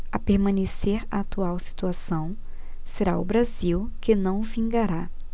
a permanecer a atual situação será o brasil que não vingará